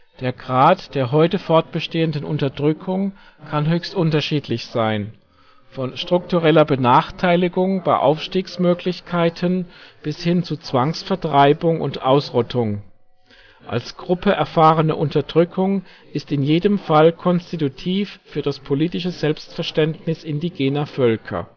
Der Grad der heute fortbestehenden Unterdrückung kann höchst unterschiedlich sein - von struktureller Benachteilung bei Aufstiegsmöglichkeiten bis hin zu Zwangsvertreibung und Ausrottung. Als Gruppe erfahrene Unterdrückung ist in jedem Fall konstitutiv für das politische Selbstverständnis indigener Völker